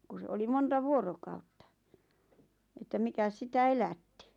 kun se oli monta vuorokautta että mikäs sitä elätti